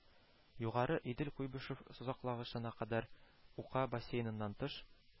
(югары) идел куйбышев сусаклагычына кадәр (ука бассейныннан тыш)